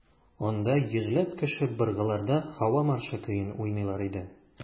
Анда йөзләп кеше быргыларда «Һава маршы» көен уйныйлар иде.